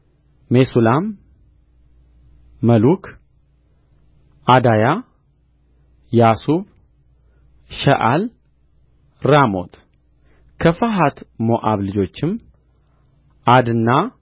ሜሱላም መሉክ ዓዳያ ያሱብ ሸዓል ራሞት ከፈሐት ሞዓብ ልጆችም ዓድና